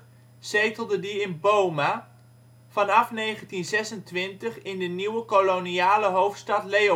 zetelde die in Boma, vanaf 1926 in de nieuwe koloniale hoofdstad Leopoldstad